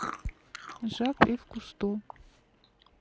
жак ив кусто